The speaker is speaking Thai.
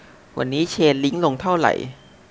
วันนี้เชนลิ้งลงเท่าไหร่